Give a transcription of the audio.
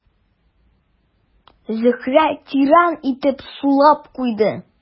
Зөһрә тирән итеп сулап куйды.